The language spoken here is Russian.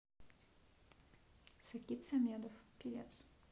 сакит самедов певец